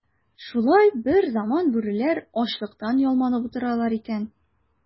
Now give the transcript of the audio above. Шулай берзаман бүреләр ачлыктан ялманып утыралар икән.